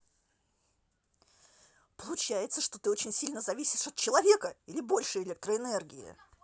получается что ты очень сильно зависишь от человека или больше электроэнергии